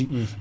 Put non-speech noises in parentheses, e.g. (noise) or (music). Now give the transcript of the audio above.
(hesitation) (hesitation)